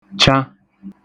-cha